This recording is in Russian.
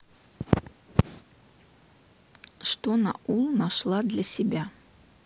что на ул нашла для себя